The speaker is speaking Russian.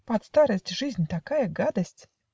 Под старость жизнь такая гадость.